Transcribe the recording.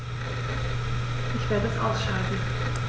Ich werde es ausschalten